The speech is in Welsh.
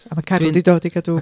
A mae carw 'di dod i gadw...